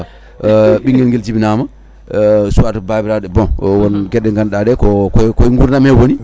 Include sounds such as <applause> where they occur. <hesitation> ɓinguel nguel jibinama <hesitation> soit to babiraɗo bon o won gueɗe ɗe ganduɗa ɗe ko ko koye gurdam he woni